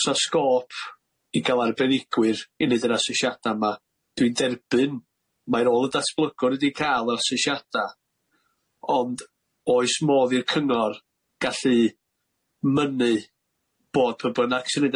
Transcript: o's ar sgôp i ga'l arbenigwyr i neud yr asesiadau ma dwi'n derbyn mai rôl y datblygwr ydi ca'l y asesiadau ond oes modd i'r cyngor gallu mynnu bod pwy bynnag sy'n neud